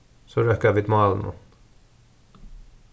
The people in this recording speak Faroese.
so røkka vit málinum